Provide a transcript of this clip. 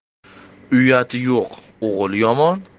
uyati yo'q o'g'il yomon